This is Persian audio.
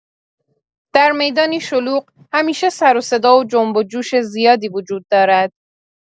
در می‌دانی شلوغ، همیشه سر و صدا و جنب و جوش زیادی وجود دارد.